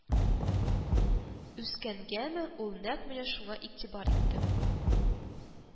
Үскәнгәме, ул нәкъ менә шуңа игътибар итте